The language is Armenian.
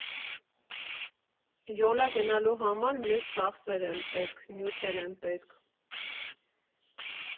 Յոլա գնալու համար մեծ ծախսեր են պետք, նյութեր են պետք։